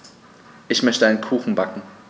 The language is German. Ich möchte einen Kuchen backen.